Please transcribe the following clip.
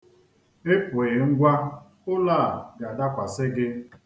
Ị pụghị ngwa, ụlọ a ga-adakwasị gị.